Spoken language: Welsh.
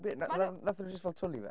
Be? na- na wnaethon nhw jyst fel twlu fe?